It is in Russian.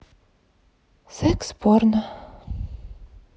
секс порно